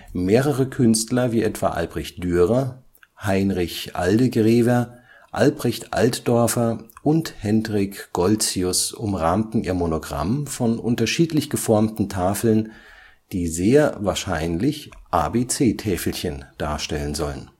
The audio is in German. Mehrere Künstler, wie etwa Albrecht Dürer, Heinrich Aldegrever, Albrecht Altdorfer und Hendrik Goltzius umrahmten ihr Monogramm von unterschiedlich geformten Tafeln, die sehr wahrscheinlich ABC-Täfelchen darstellen sollen